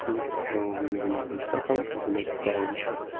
bilsa ham o'zini tuta olmadi